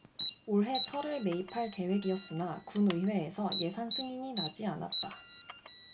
올해 터를 매입할 계획이었으나 군의회에서 예산 승인이 나지 않았다